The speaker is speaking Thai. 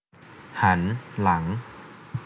หันหลัง